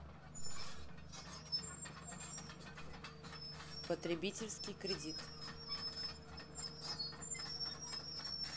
потребительский кредит